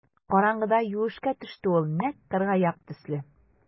Караңгыда юешкә төште ул нәкъ кыргаяк төсле.